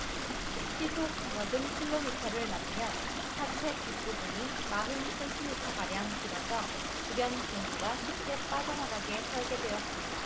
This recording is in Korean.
시속 여든 킬로미터를 넘으면 차체 뒷부분이 마흔 센티미터가량 길어져 주변 공기가 쉽게 빠져나가게 설계됐습니다